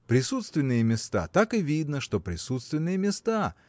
Присутственные места – так и видно, что присутственные места